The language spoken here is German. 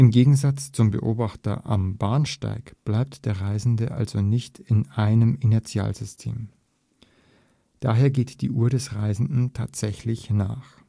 Gegensatz zum Beobachter am Bahnsteig bleibt der Reisende also nicht in einem Inertialsystem. Daher geht die Uhr des Reisenden tatsächlich nach